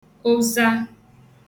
ụza